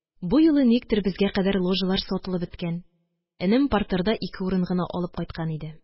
Бу юлы никтер безгә кадәр ложалар сатылып беткән, энем партерда ике урын гына алып кайткан иде.